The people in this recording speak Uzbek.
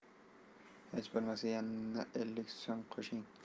hech bo'lmasa yana ellik so'm qo'shing